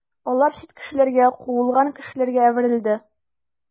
Алар чит кешеләргә, куылган кешеләргә әверелде.